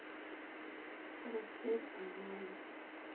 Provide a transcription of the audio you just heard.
карусель онлайн